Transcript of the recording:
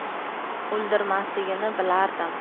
o'ldirmasligini bilardim